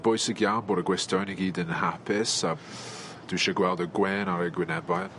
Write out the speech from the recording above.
bwysig iawn bod y gwestoion i gyd yn hapus a dwi isio gweld y gwên ar eu gwynebau